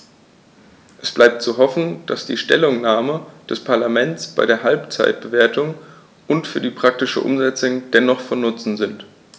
Es bleibt zu hoffen, dass die Stellungnahmen des Parlaments bei der Halbzeitbewertung und für die praktische Umsetzung dennoch von Nutzen sind.